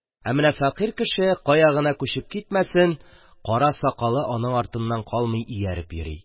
Ә менә фәкыйрь кеше кая гына күчеп китмәсен, кара сакалы артыннан калмый ияреп йөри.